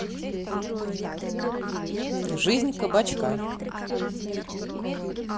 жизнь кабачка